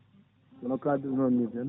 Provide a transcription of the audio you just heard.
kono kaldirno mi ni tan